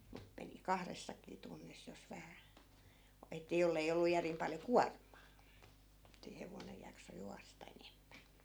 mutta meni kahdessakin tunnissa jos vähän - että jos ei ollut järin paljon kuormaa että hevonen jaksoi juosta enemmän